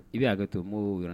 I bɛ hakɛ to n b'o